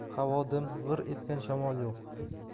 havo dim g'ir etgan shamol yo'q